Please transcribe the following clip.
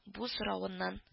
Бу соравыннан